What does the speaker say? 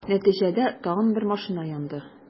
Нәтиҗәдә, тагын бер машина янды.